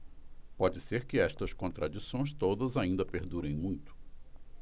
pode ser que estas contradições todas ainda perdurem muito